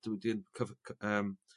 Dwi'm 'di yn cyf- c- yym